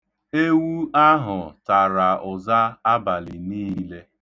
Ewu ahụ tara ụza abalị niile.